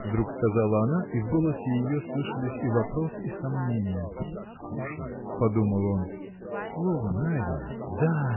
– вдруг сказала она, и в голосе ее слышались и вопрос и сомнение. Скучно! – подумал он, – слово найдено! Да!